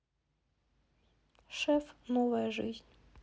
шеф новая жизнь